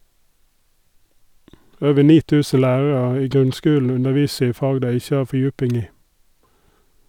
Over 9.000 lærarar i grunnskulen underviser i fag dei ikkje har fordjuping i.